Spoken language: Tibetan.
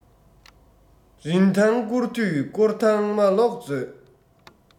རིན ཐང སྐོར དུས སྐོར ཐང མ ལོག མཛོད